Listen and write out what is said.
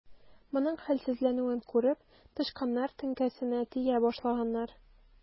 Моның хәлсезләнүен күреп, тычканнар теңкәсенә тия башлаганнар.